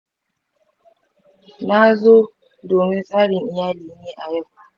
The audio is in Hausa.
na zo domin tsarin iyali ne a yau.